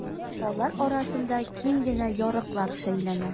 Алар арасында киң генә ярыклар шәйләнә.